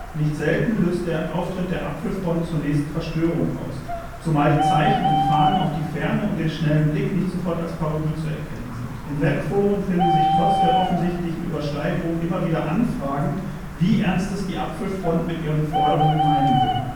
Nicht selten löst der Auftritt der Apfelfront zunächst Verstörung aus, zumal die Zeichen und Fahnen auf die Ferne und den schnellen Blick nicht sofort als Parodie zu erkennen sind. In Webforen finden sich trotz der offensichtlichen Übersteigerung immer wieder Anfragen, wie ernst es die Apfelfront mit ihren Forderungen meinen